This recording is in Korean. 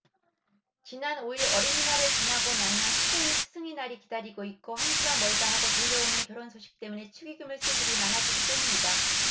지난 오 일 어린이날을 지나고 나면 십 오 일 스승의날이 기다리고 있고 한 주가 멀다하고 들려오는 결혼 소식때문에 축의금을 쓸 일이 많아지기 마련이다